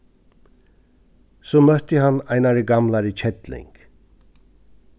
so møtti hann einari gamlari kelling